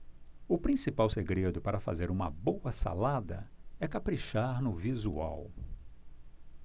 o principal segredo para fazer uma boa salada é caprichar no visual